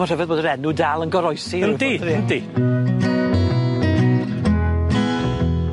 Ma'n rhyfedd bod yr enw dal yn goroesi. Yndi yndi.